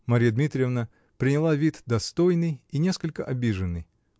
Марья Дмитриевна приняла вид достойный и несколько обиженный.